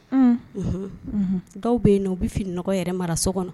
Un dɔw bɛ yen u bɛ finiɔgɔ yɛrɛ mara so kɔnɔ